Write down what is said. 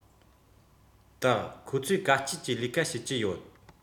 དག ཁོང ཚོས དཀའ སྤྱད ཀྱིས ལས ཀ བྱེད ཀྱི ཡོད